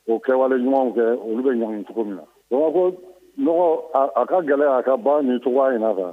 O kɛwale ɲɔgɔnw kɛ olu bɛ ɲɔgɔn cogo min na bamakɔ ko mɔgɔ a ka gɛlɛ'a ka ban ni cogo in na a kan